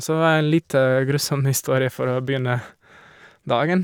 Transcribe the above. Så en litt grusom historie for å begynne dagen.